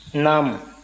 naamu